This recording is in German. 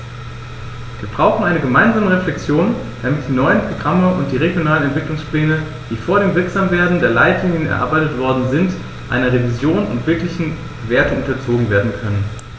Wir brauchen eine gemeinsame Reflexion, damit die neuen Programme und die regionalen Entwicklungspläne, die vor dem Wirksamwerden der Leitlinien erarbeitet worden sind, einer Revision und wirklichen Bewertung unterzogen werden können.